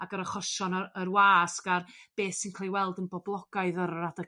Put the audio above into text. ac yr achosion y yr wasg a'r beth sy'n ca'l 'i weld yn boblogaidd ar yr adeg